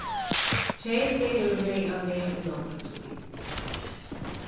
keypið hevur verið á veg í longri tíð